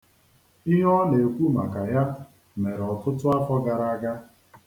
Ihe ọ na-ekwu maka ya mere ọtụtụ afọ gara aga.